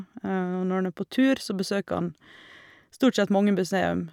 Og når en er på tur, så besøker en stort sett mange museum.